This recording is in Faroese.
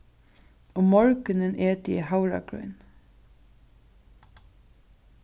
um morgunin eti eg havragrýn